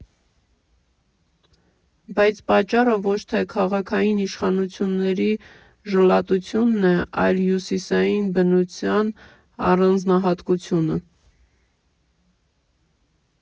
Բայց պատճառը ոչ թե քաղաքային իշխանությունների ժլատությունն է, այլ հյուսիսային բնության առանձնահատկությունը։